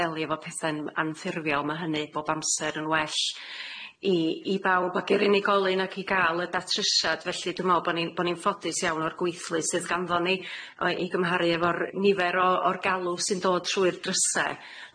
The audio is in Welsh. delio efo pethe'n anffurfiol ma' hynny bob amser yn well i i bawb agi'r unigolyn agi ga'l y datrysiad felly dwi me'wl bo' ni'n bo' ni'n ffodus iawn o'r gweithlu sydd ganddon ni yy i gymharu efo'r nifer o o'r galw sy'n dod trwy'r dryse